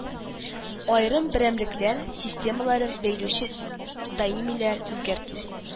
Аерым берәмлекләр системаларын бәйләүче даимиләр үзгәртү